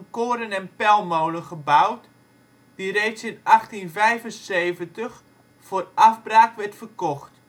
koren - en pelmolen gebouwd, die reeds in 1875 voor afbraak werd verkocht